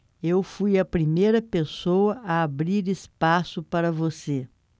eu fui a primeira pessoa a abrir espaço para você